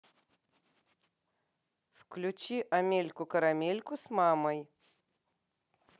включи амельку карамельку с мамой